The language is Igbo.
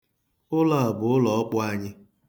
Ụlọ a bụ ụlọ ọkpụ anyị.